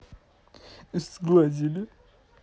сглазили